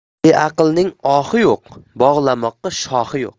beaqlning ohi yo'q bog'lamoqqa shoxi yo'q